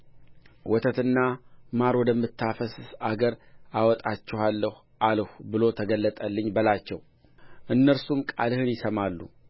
ወተትና ማር ወደምታፈስስ አገር አወጣችኋለሁ አልሁ ብሎ ተገለጠልኝ በላቸው እነርሱም ቃልህን ይሰማሉ